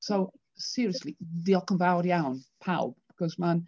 So seriously, diolch yn fawr iawn pawb, achos mae'n...